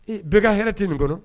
Bɛɛ ka hɛrɛ tɛ nin kɔnɔ